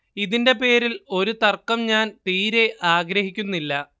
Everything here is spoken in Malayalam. ഇതിന്റെ പേരിൽ ഒരു തർക്കം ഞാൻ തീരെ ആഗ്രഹിക്കുന്നില്ല